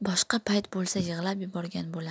boshqa payt bo'lsa yig'lab yuborgan bo'lar